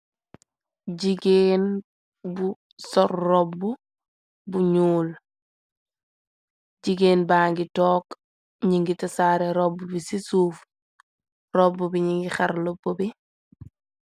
jigeen bu sol robb bu ñuul jigéen ba ngi toog ñi ngi te saare robb bi ci suuf robb bi ni ngi xar lopp bi.